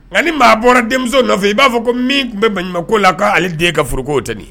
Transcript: Nka ni maa bɔra denmuso nɔfɛ i b'a fɔ ko min tun bɛ balima ko la k'ale den ka foro tɛeni